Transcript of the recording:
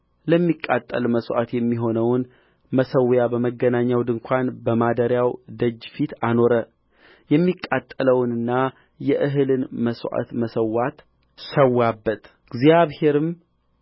ለሚቃጠል መሥዋዕት የሚሆነውን መሠዊያ በመገናኛው ድንኳን በማደሪያው ደጅ ፊት አኖረ የሚቃጠለውንና የእህልን መሥዋዕት ሠዋበት እግዚአብሔርም